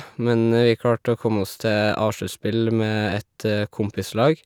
Men vi klarte å komme oss til A-sluttspill med et kompislag.